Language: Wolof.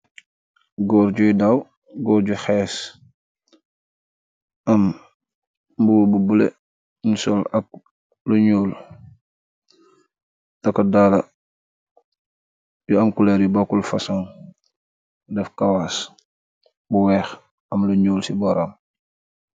Góor juy daw, góor ju xees, am mbu bu bule, nisol ak lu ñuul, tako daala yu amkuleer yu bokkul fason, def kawaas bu weex, am lu ñuul ci boram.